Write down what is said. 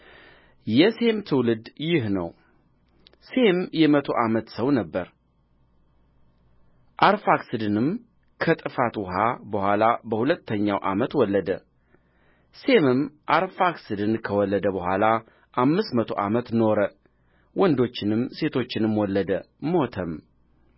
የሴም ትውልድ ይህ ነው ሴም የመቶ ዓመት ሰው ነበረ አርፋክስድንም ከጥፋት ውኃ በኋላ በሁለተኛው ዓመት ወለደ ሴምም አርፋክስድን ከወለደ በኋላ አምስት መቶ ዓመት ኖረ ወንዶችንም ሴቶችንም ወለደ ሞተም